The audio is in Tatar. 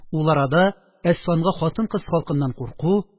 Ул арада Әсфанга хатын-кыз халкыннан курку